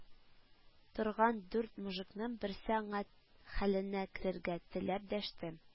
Торган дүрт мужикның берсе аңа хәленә керергә теләп дәште: